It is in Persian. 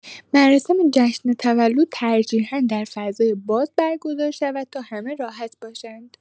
مراسم جشن تولد ترجیحا در فضای باز برگزار شود تا همه راحت باشند.